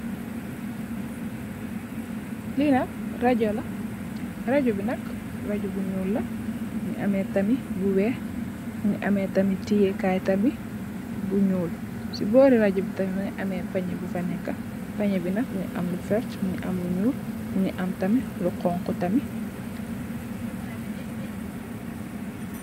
Lee nak rajou la rajou be nak rajou bu nuul la muge ameh tamin bu weex muge ameh tamin teye kaye tamin bu nuul se bore rajou be tamin muge ameh panye bufa neka panye be nak muge am lu verte muge am lu nuul muge am tamin lu xonxo tamin.